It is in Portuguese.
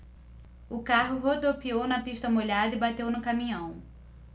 o carro rodopiou na pista molhada e bateu no caminhão